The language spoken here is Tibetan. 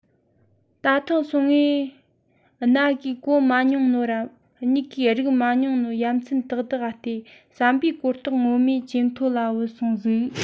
ད ཐེངས སོང ངས རྣ གིས གོ མ མྱོང ནོ ར མྱིག གིས རིག མ མྱོང ནོ ཡ མཚན དག དག ག བལྟས བསམ པའི གོ རྟོགས ངོ མས ཇེ མཐོ འ བུད སོང ཟིག